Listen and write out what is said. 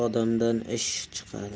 odamdan ish chiqadi